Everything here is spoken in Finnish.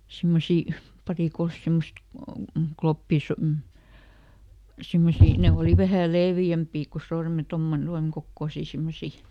semmoisia pari kolme semmoista - mm semmoisia ne oli vähän leveämpiä kuin - tuommoinen tuon kokoisia semmoisia